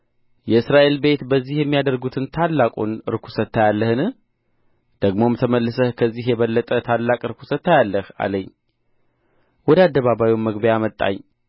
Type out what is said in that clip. የእስራኤል ቤት በዚህ የሚያደርጉትን ታላቁን ርኵሰት ታያለህን ደግሞም ተመልሰህ ከዚህ የበለጠ ታላቅ ርኵሰት ታያለህ አለኝ ወደ አደባባዩም መግቢያ አመጣኝ